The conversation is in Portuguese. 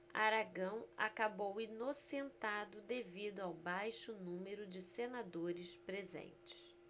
aragão acabou inocentado devido ao baixo número de senadores presentes